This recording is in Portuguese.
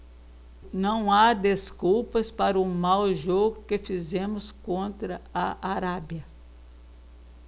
não há desculpas para o mau jogo que fizemos contra a arábia